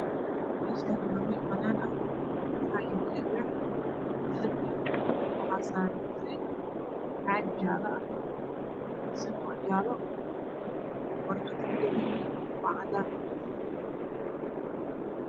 Meeshani waa meel banaanah waxaa yaalo alwaax dahabiah waxaa saaran caag jaalo ah forkiisuna waa jaalo war qada kudhahgane waa cadaan